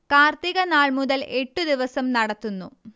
കാർത്തിക നാൾ മുതൽ എട്ടു ദിവസം നടത്തുന്നു